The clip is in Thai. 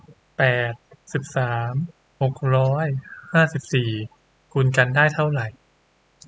แปดสิบสามหกร้อยห้าสิบสี่คูณกันได้เท่าไหร่